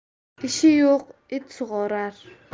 ishi yo'q it sug'orar